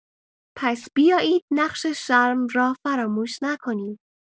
پس بیایید نقش شرم را فراموش نکنیم.